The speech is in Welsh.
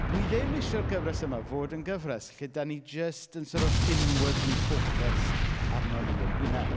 Dwi ddim isio'r gyfres yma fod yn gyfres lle dan ni jyst yn sort of inwardly focused arno ni ein hunain.